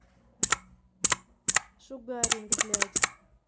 шугаринг блядь